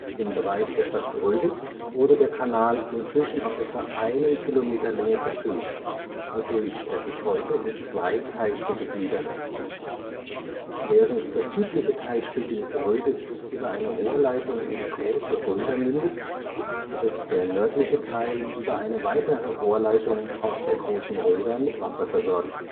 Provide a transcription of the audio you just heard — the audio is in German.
Im Bereich der Stadt Gröditz wurde der Kanal inzwischen auf etwa einem Kilometer Länge verfüllt, wodurch er sich heute in zwei Teilstücke gliedert. Während das südliche Teilstück in Gröditz über eine Rohrleitung in die Große Röder mündet, wird der nördliche Teil über eine weitere Rohrleitung aus der Großen Röder mit Wasser versorgt